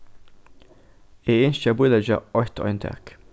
eg ynski at bíleggja eitt eintak